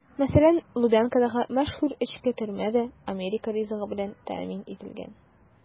Мәсәлән, Лубянкадагы мәшһүр эчке төрмә дә америка ризыгы белән тәэмин ителгән.